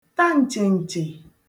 ta ǹchèǹchè